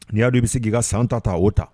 Ni y'a i bɛ se k'i ka san ta o ta